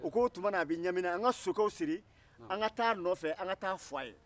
k' o tuma na a bɛ ɲamina an ka sokɛw siri an ka taa nɔfɛ an ka taa fɔ a ye